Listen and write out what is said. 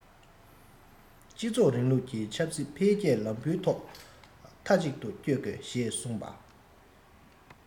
སྤྱི ཚོགས རིང ལུགས ཀྱི ཆབ སྲིད འཕེལ རྒྱས ལམ བུའི ཐོག མཐའ གཅིག ཏུ སྐྱོད དགོས ཞེས གསུངས པ